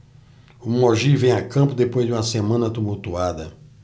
o mogi vem a campo depois de uma semana tumultuada